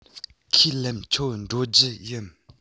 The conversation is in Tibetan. ཁས ལེན ཁྱོད འགྲོ རྒྱུ ཡིན